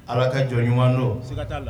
Ala ka jɔn ɲumanɲuman don